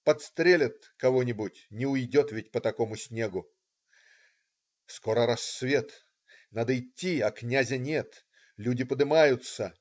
Подстрелят кого-нибудь - не уйдет ведь по такому снегу". Скоро рассвет. Надо идти, а князя нет. Люди подымаются.